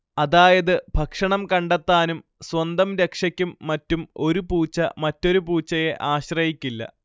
അതായത് ഭക്ഷണം കണ്ടെത്താനും സ്വന്തം രക്ഷയ്ക്കും മറ്റും ഒരു പൂച്ച മറ്റൊരു പൂച്ചയെ ആശ്രയിക്കില്ല